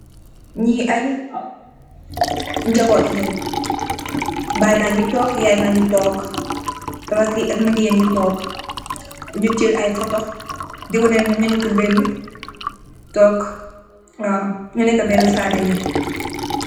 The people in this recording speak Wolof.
Ñii ay njoboot lañg, baay baa ngi toog, yaay baa ngi toog, rakkë yi ak mag yaa ngi toog. Di wane ay foto, di wane ñom ñu neekë beenë.